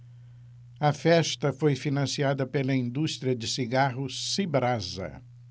a festa foi financiada pela indústria de cigarros cibrasa